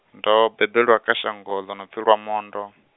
ndo bebelwa kha shango ḽo no pfi Lwamondo.